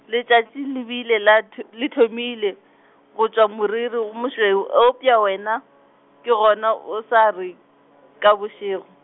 letšatši le bile la th-, le thomile, go tšwa moriri wo mošweu eupša wena, ke gona o sa re, ka bošego.